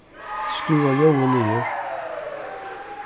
skrúva ljóðið niður